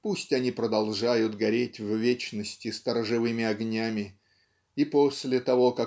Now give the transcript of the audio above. пусть они продолжают гореть в вечности сторожевыми огнями и после того